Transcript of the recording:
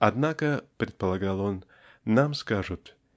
"Однако, -- предполагал он, -- нам скажут